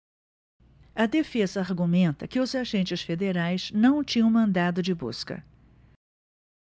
a defesa argumenta que os agentes federais não tinham mandado de busca